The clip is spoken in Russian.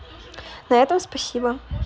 на этом спасибо